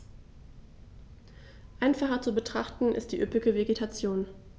Einfacher zu betrachten ist die üppige Vegetation.